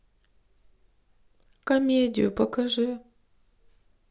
комедию покажи